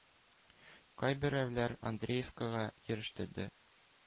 Кайберәүләр Андреевкага йөрештерде.